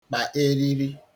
kpà eriri